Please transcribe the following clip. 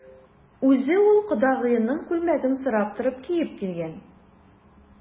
Үзе ул кодагыеның күлмәген сорап торып киеп килгән.